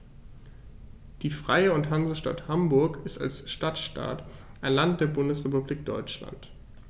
Die Freie und Hansestadt Hamburg ist als Stadtstaat ein Land der Bundesrepublik Deutschland.